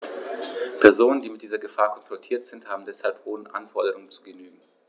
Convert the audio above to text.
Personen, die mit dieser Gefahr konfrontiert sind, haben deshalb hohen Anforderungen zu genügen.